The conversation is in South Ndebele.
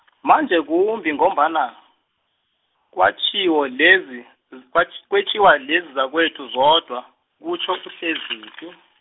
manje kumbi ngombana, kwatjhiwo lezi l-, kwatj- kwetjiwa lezi zakwethu zodwa, kutjho uHleziphi.